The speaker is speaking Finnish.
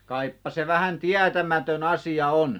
kaipa se vähän tietämätön asia on